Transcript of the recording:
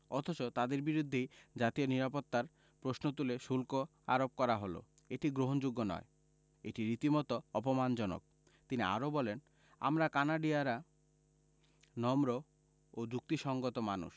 অথচ তাঁদের বিরুদ্ধেই জাতীয় নিরাপত্তার প্রশ্ন তুলে শুল্ক আরোপ করা হলো এটি গ্রহণযোগ্য নয় এটি রীতিমতো অপমানজনক তিনি আরও বলেন আমরা কানাডীয়রা নম্র ও যুক্তিসংগত মানুষ